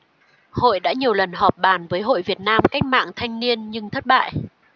hội đã nhiều lần họp bàn với hội việt nam cách mạng thanh niên nhưng thất bại